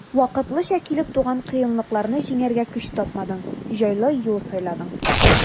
Вакытлыча килеп туган кыенлыкларны җиңәргә көч тапмадың, җайлы юл сайладың.